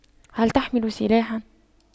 هل تحمل سلاحا